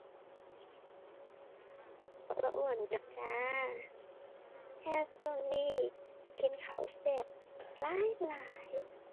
บ่อ้วนดอกจ้า แค่ช่วงนี้กินข้าวแซ่บหลายหลาย